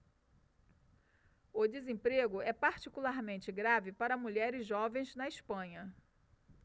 o desemprego é particularmente grave para mulheres jovens na espanha